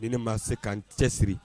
Ni ma se k'an cɛsiri